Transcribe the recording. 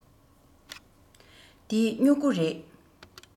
འདི སྨྲུ གུ རེད